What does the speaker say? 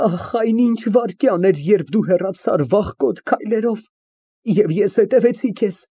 Ախ, այն ինչ վայրկյան էր, երբ դու հեռացար վախկոտ քայլերով, և ես հետևեցի քեզ։